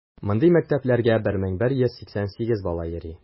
Мондый мәктәпләргә 1188 бала йөри.